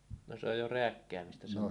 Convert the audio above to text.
no se on jo rääkkäämistä se